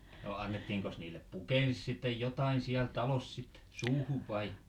no annettiinkos niille pukeille sitten jotakin siellä talossa sitten suuhun vai